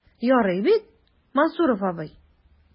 Ярый бит, Мансуров абый?